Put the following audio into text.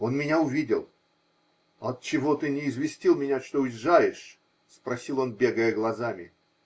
Он меня увидел: -- Отчего ты не известил меня, что уезжаешь? -- спросил он, бегая глазами.